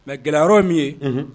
Mais gɛlɛya yɔrɔ ye min ye. Unhun.